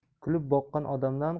kulib boqqan odamdan